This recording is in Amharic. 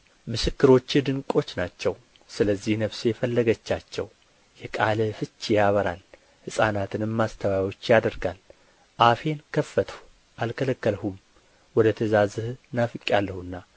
ምስክሮችህ ድንቆች ናቸው ስለዚህ ነፍሴ ፈለገቻቸው የቃልህ ፍቺ ያበራል ሕፃናትንም አስተዋዮች ያደርጋል አፌን ከፈትሁ አለከለክሁም ወደ ትእዛዝህ ናፍቄአለሁና